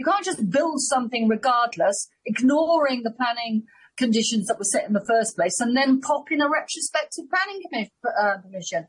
You can't just build something regardless, ignoring the planning conditions that were set in the first place, and then pop in a retrospective planning commi- err commission.